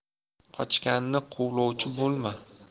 qochganni quvlovchi bo'lma